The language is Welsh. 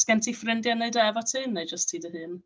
'Sgen ti ffrindiau yn wneud e efo ti, neu jyst ti dy hun?